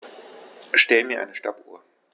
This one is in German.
Stell mir eine Stoppuhr.